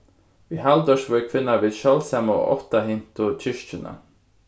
í haldórsvík finna vit sjáldsamu áttahyrntu kirkjuna